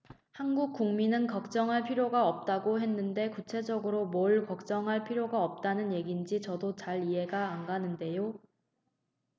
한국 국민은 걱정할 필요가 없다고 했는데 구체적으로 뭘 걱정할 필요가 없다는 얘긴지 저도 잘 이해가 안 가는데요